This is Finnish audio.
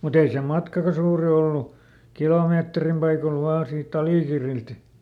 mutta ei se matkakaan suuri ollut kilometrin paikoilla vain siitä Alikirriltä